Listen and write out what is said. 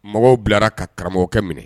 Mɔgɔw bilara ka karamɔgɔkɛ minɛ